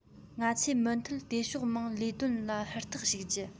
ང ཚོས མུ མཐུད དེ ཕྱོགས མང ལས དོན ལ ཧུར ཐག ཞུགས རྒྱུ